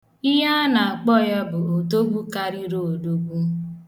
Ihe a na-akpọ ya bụ odogwu karịrị odogwu.